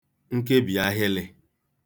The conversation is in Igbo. nkebìahịlị̄